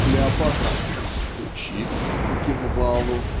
Клеопатра "стучит" по кимвалу